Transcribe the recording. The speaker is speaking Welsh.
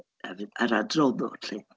Yr yr adroddwr 'lly.